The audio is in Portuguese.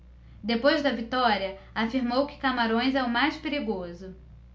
depois da vitória afirmou que camarões é o mais perigoso